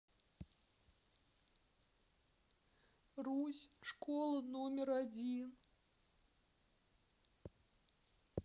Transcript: русь школа номер один